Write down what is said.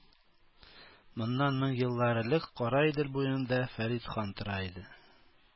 Моннан мең еллар элек Кара Идел буенда Фәрит хан тора иде.